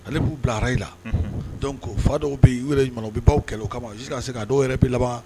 Ale bilara i la donc fa dɔw be yen u yɛrɛ ɲumana u bi baw kɛlɛ u kama jusqu'à ce que a dɔw yɛrɛ bi laban